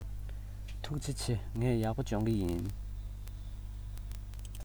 ཐུགས རྗེ ཆེ ངས ཡག པོ སྦྱོང གི ཡིན